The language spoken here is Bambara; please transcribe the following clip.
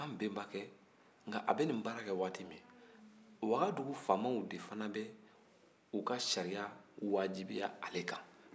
anw bɛnbakɛ a bɛ nin baara kɛ waati min wagadu faamaw fana de b'u sariya waajibiya ale kan